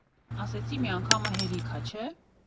֊ Ասեցի մի անգամը հերիք ա, չէ՞…